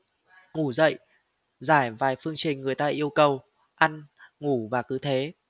ngủ dậy giải vài phương trình người ta yêu cầu ăn ngủ và cứ thế